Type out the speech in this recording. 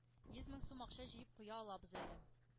Йөз мең сум акча җыеп куя алабыз әле”,